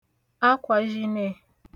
ekwāzhine